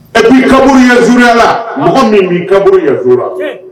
E bi kaburu zzurunyala mɔgɔ min b'i kabmuruuru zzola